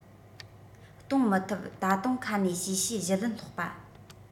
གཏོང མི ཐུབ ད དུང ཁ ནས གཤེ གཤེ གཞུ ལན སློག པ